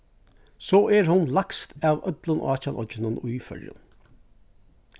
so er hon lægst av øllum átjan oyggjunum í føroyum